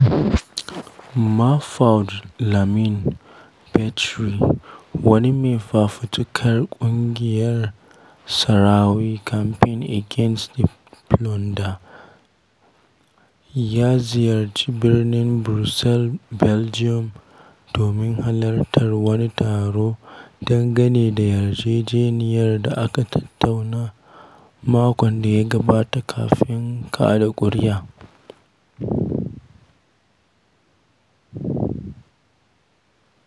Mahfoud Lamin Bechri, wani mai fafutukar ƙungiyar Sahrawi Campaign Against the Plunder (SCAP), ya ziyarci birnin Brussels, Belgium, domin halartar wani taro dangane da yarjejeniyar da aka tattauna makon da ya gabata kafin kaɗa ƙuri'a.